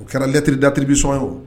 U kɛralɛtiriri datiriribisɔn ye